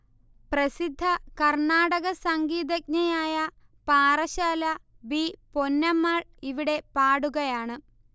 പ്രസിദ്ധ കർണാടക സംഗീതജ്ഞയായ പാറശ്ശാല ബി പൊന്നമ്മാൾ ഇവിടെ പാടുകയാണ്